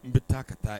N bɛ taa ka taa